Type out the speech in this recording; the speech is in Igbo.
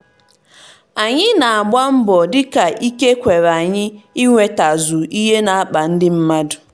Anyị na-agba mbọ dịka ike kwere anyị inwetazu ihe na-akpa ndị mmadụ.